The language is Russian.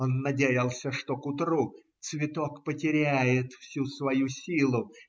Он надеялся, что к утру цветок потеряет всю свою силу.